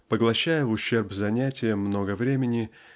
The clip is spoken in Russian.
поглощая в ущерб занятиям много времени